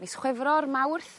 mis Chwefror Mawrth